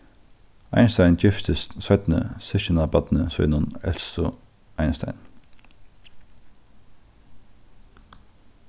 einstein giftist seinni systkinabarni sínum elsu einstein